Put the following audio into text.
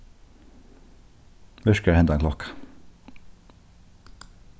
virkar hendan klokkan